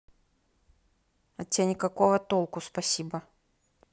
от тебя никакого толку спасибо